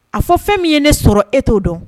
A fɔ fɛn min ye ne sɔrɔ e t'o dɔn?